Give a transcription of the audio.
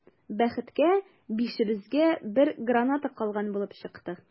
Бәхеткә, бишебезгә бер граната калган булып чыкты.